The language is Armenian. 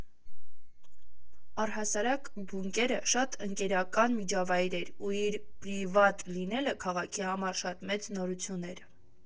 Առհասարակ «Բունկերը» շատ ընկերական միջավայր էր ու իր պրիվատ լինելը քաղաքի համար շատ մեծ նորություն էր։